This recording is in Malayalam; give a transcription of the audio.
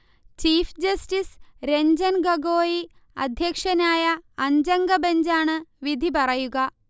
ചീഫ് ജസ്റ്റിസ് രജ്ജൻ ഗോഗോയി അധ്യക്ഷനായ അഞ്ചംഗ ബഞ്ചാണ് വിധിപറയുക